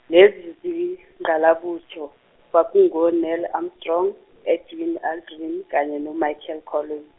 lezi zingqalabutho kwakungo Neil Armstrong, Edwind Aldrin, kanye no Michael Collins.